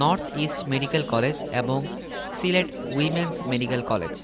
north east medical college এবং Sylhet women's medical college